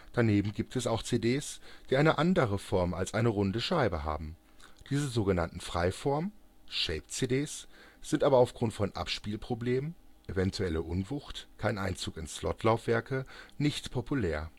Daneben gibt es auch CDs, die eine andere Form als eine runde Scheibe haben. Diese so genannten Freiformen (Shape-CDs) sind aber aufgrund von Abspielproblemen (eventuelle Unwucht, kein Einzug in Slot-Laufwerke) nicht populär